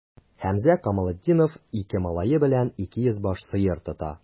Хәмзә Камалетдинов ике малае белән 200 баш сыер тота.